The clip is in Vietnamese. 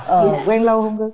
ờ quen lâu hông cưng